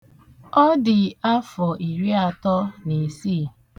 Ọ dị afọ iriatọ na isii.